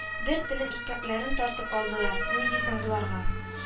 Бер телем икмәкләрен тартып алдылар. ни дисең боларга